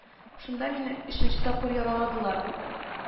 Шунда мине өченче тапкыр яраладылар